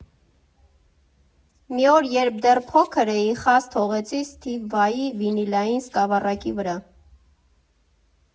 Մի օր, երբ դեռ փոքր էի, խազ թողեցի Սթիվ Վայի վինիլային սկավառակի վրա։